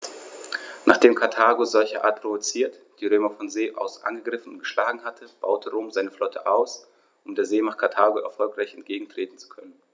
Nachdem Karthago, solcherart provoziert, die Römer von See aus angegriffen und geschlagen hatte, baute Rom seine Flotte aus, um der Seemacht Karthago erfolgreich entgegentreten zu können.